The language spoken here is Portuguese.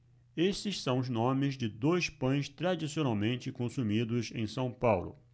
esses são os nomes de dois pães tradicionalmente consumidos em são paulo